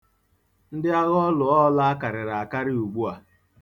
Ndị agha ọlụ̀ọọ̄lāā karịrị akarị ugbua.